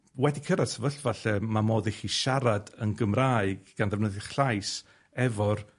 wedi cyrradd sefyllfa lle ma' modd i chi siarad yn Gymraeg, gan ddefnyddio'ch llais, efo'r